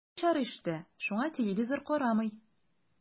Әби начар ишетә, шуңа телевизор карамый.